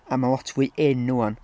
A mae lot fwy in 'ŵan.